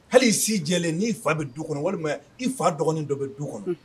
Hali i si jɛlen n'i fa bɛ du kɔnɔ walima i fa dɔgɔnin dɔ bɛ du kɔnɔ